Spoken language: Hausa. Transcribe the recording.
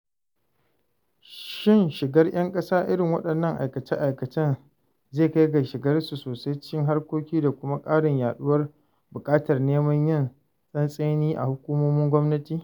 Shin shigar 'yan ƙasa irin waɗannan aikace-aikacen zai kai ga shigarsu sosai cikin harkoki da kuma ƙarin yaɗuwar buƙatar neman yin tsantseni a hukumomin gwamnati?